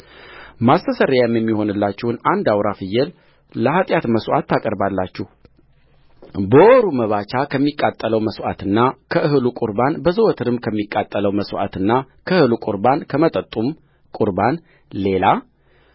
ማስተስረያም የሚሆንላችሁን አንድ አውራ ፍየል ለኃጢአት መሥዋዕት ታቀርባላችሁበወሩ መባቻ ከሚቃጠለው መሥዋዕትና ከእህሉ ቍርባን በዘወትርም ከሚቃጠለው መሥዋዕትና ከእህሉ ቍርባን ከመጠጡም ቍርባን ሌላ